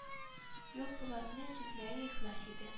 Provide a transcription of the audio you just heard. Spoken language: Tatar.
Юк булатның сүзләре ихлас иде